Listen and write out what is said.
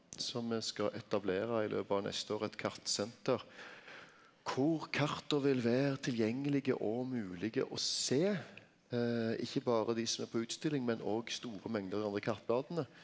så me skal etablera i løpet av neste år eit kartsenter kor karta vil vere tilgjengelege og moglege å sjå ikkje berre dei som er på utstilling men òg store mengder av kartblada.